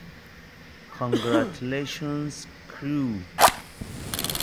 Congratulations crew!